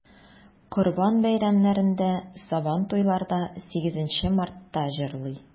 Корбан бәйрәмнәрендә, Сабантуйларда, 8 Мартта җырлый.